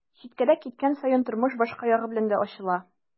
Читкәрәк киткән саен тормыш башка ягы белән дә ачыла.